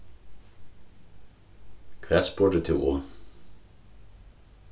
hvat spurdi tú um